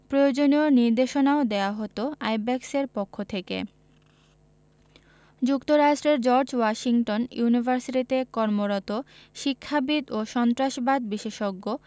প্রয়োজনীয় নির্দেশনাও দেওয়া হতো আইব্যাকসের পক্ষ থেকে যুক্তরাষ্ট্রের জর্জ ওয়াশিংটন ইউনিভার্সিটিতে কর্মরত শিক্ষাবিদ ও সন্ত্রাসবাদ বিশেষজ্ঞ